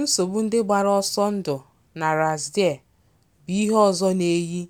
Nsogbu ndị gbara ọsọ ndụ na ras jdir bụ ihe ọzọ na-eyi